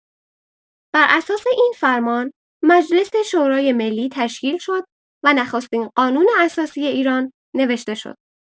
بر اساس این فرمان مجلس شورای‌ملی تشکیل شد و نخستین قانون اساسی ایران نوشته شد.